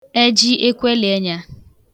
ekwelienyā